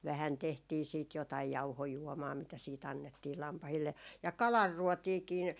vähän tehtiin sitten jotakin jauhojuomaa mitä sitten annettiin lampaille ja kalanruotiakin